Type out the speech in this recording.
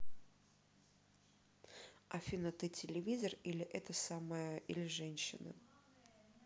афина ты телевизор или это самая или женщина